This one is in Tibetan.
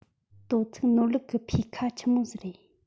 དོ ཚིགས ནོར ལུག གི འཕེས ཁ ཆི མོ ཟིག རེད